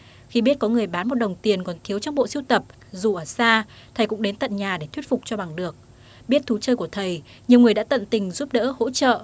khi biết có người bán một đồng tiền còn thiếu trong bộ sưu tập dù ở xa thầy cũng đến tận nhà để thuyết phục cho bằng được biết thú chơi của thầy nhiều người đã tận tình giúp đỡ hỗ trợ